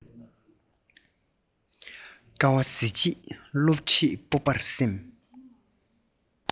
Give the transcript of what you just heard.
དཀའ བ གཟི བརྗིད སློབ ཁྲིད སྤོབས པར སེམས